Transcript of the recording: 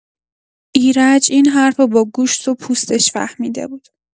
ایرج این حرفو با گوشت و پوستش فهمیده بود.